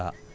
waaw